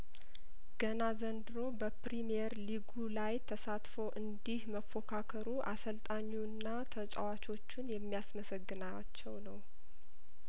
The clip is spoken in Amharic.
ገና ዘንድሮ በፕሪምየር ሊጉ ላይ ተሳትፎ እንዲህ መ ፎካከሩ አሰልጣኙና ተጫዋቾቹን የሚያስመሰግናቸው ነው